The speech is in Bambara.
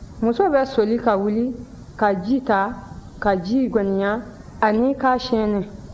muso bɛ soli ka wuli ka ji ta ka ji goniya ani k'a sɛɛnɛ